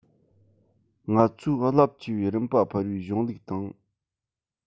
ང ཚོས རླབས ཆེ བའི རིམ པ འཕར བའི གཞུང ལུགས དང